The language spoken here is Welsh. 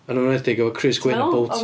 Yn enwedig efo crys gwyn a bow tie.